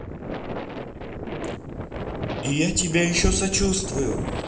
я тебя еще сочувствую